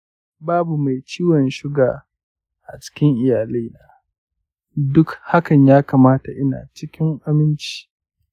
babu mai ciwon suga a cikin iyalina dun haka ya kamata ina cikin aminci.